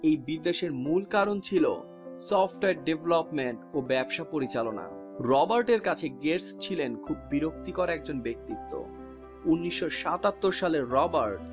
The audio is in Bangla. এই বিদ্বেষের মূল কারণ ছিল সফটওয়্যার রবার্ট এর কাছে গেটস ছিলেন খুব বিরক্তিকর একজন ব্যক্তিত্ব ১৯৭৭ সালে রবার্ট